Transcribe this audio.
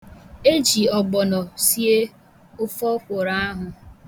E ji ọgbọnọ sie ofe ọkwụrụ ahụ.